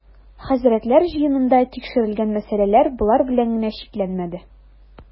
Хәзрәтләр җыенында тикшерел-гән мәсьәләләр болар белән генә чикләнмәде.